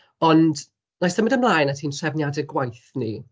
Ond, wna i symud ymlaen at ein trefniadau gwaith ni.